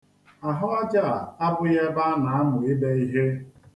Ahụaja a abụghị ebe a na-amụ ide ihe.